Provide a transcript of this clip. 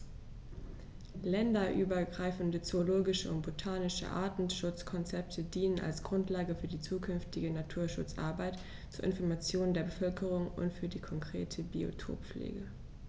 Länderübergreifende zoologische und botanische Artenschutzkonzepte dienen als Grundlage für die zukünftige Naturschutzarbeit, zur Information der Bevölkerung und für die konkrete Biotoppflege.